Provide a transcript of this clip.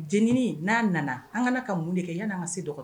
Jeniinin na nana an kan ka mun de kɛ yan ka se dɔ